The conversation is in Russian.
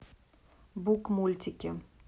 бук мультики